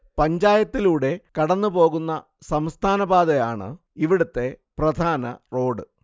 പഞ്ചായത്തിലൂടെ കടന്നുപോകുന്ന സംസ്ഥാനപാത ആണ് ഇവിടുത്തെ പ്രധാന റോഡ്